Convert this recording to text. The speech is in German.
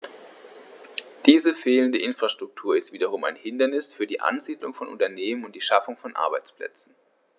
Diese fehlende Infrastruktur ist wiederum ein Hindernis für die Ansiedlung von Unternehmen und die Schaffung von Arbeitsplätzen.